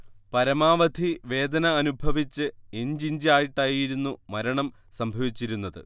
പരമാവധി വേദന അനുഭവിച്ച് ഇഞ്ചിഞ്ചായിട്ടായിരുന്നു മരണം സംഭവിച്ചിരുന്നത്